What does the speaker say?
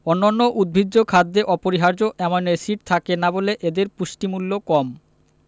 অন্যান্য উদ্ভিজ্জ খাদ্যে অপরিহার্য অ্যামাইনো এসিড থাকে না বলে এদের পুষ্টিমূল্য কম